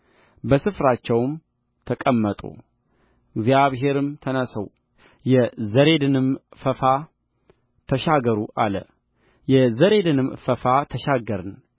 በስፍራቸውም ተቀመጡእግዚአብሔርም ተነሡ የዘሬድንም ፈፋ ተሻገሩ አለየዘሬድንም ፈፋ ተሻገርን